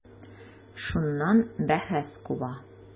Шуннан бәхәс куба.